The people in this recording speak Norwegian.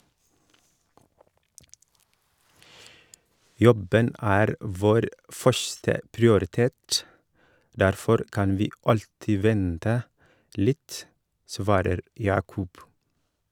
Jobben er vår første prioritet; derfor kan vi alltid vente litt , svarer Yaqub.